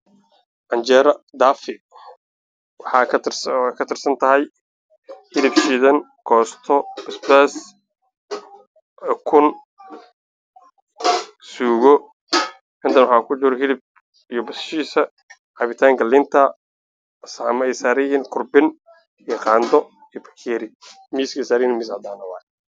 Halkaan waxaa ka muuqdo canjeero daafi iyo hilib iyo cabitaan waxa ay saaranyihiin miis cadaan ah